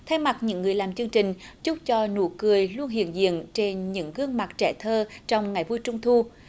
thay mặt những người làm chương trình chúc cho nụ cười luôn hiện diện trên những gương mặt trẻ thơ trong ngày vui trung thu